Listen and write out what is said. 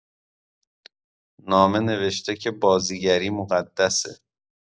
نامه نوشته که بازیگری مقدسه!